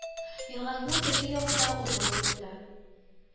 Елгасының теге ягында урман буенда